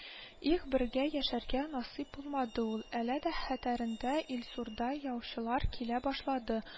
Их, бергә яшәргә насыйп булмады ул. Әле дә хәтерендә — Илсурдан яучылар килә башлады